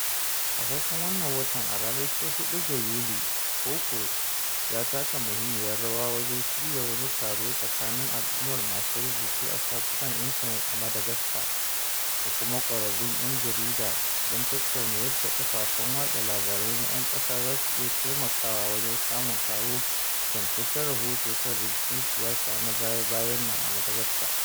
A farkon wannan watan (a ranar 4 ga Yuli),FOKO ya taka muhimmiyar rawa wajen shirya wani taro tsakanin al'ummar masu rubutu a shafukan intanet a Madagascar, da kuma ƙwararrun 'yan jarida don tattauna yadda kafafen watsa labarai na 'yan ƙasa za su iya taimakawa wajen samun kawo gamsasshen rahoto kan rikicin siyasa na baya-bayan nan a Madagascar.